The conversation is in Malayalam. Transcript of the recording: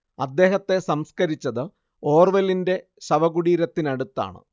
അദ്ദേഹത്തെ സംസ്കരിച്ചത് ഓർവെലിന്റെ ശവകുടീരത്തിനടുത്താണ്